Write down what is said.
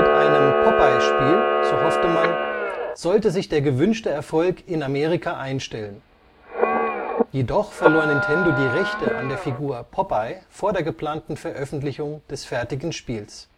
einem Popeye-Spiel, so hoffte man, sollte sich der gewünschte Erfolg in Amerika einstellen. Jedoch verlor Nintendo die Rechte an der Figur Popeye vor der geplanten Veröffentlichung des fertigen Spiels